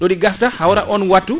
noɗi garta hawra on wattu